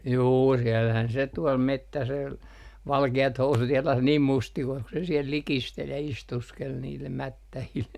juu siellähän se tuolla metsäsellä valkeat housut jalassa niin mustikoissa kun se siellä likisteli ja istuskeli niille mättäille